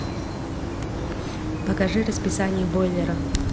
покажи расписание бойлера